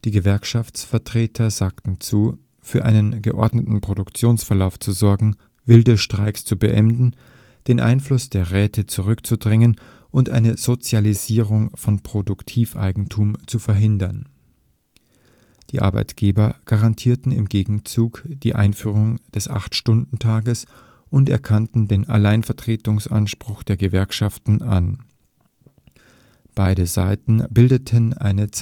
Gewerkschaftsvertreter sagten zu, für einen geordneten Produktionsverlauf zu sorgen, wilde Streiks zu beenden, den Einfluss der Räte zurückzudrängen und eine Sozialisierung von Produktiveigentum zu verhindern. Die Arbeitgeber garantierten im Gegenzug die Einführung des 8-Stunden-Tages und erkannten den Alleinvertretungsanspruch der Gewerkschaften an. Beide Seiten bildeten eine Zentralarbeitsgemeinschaft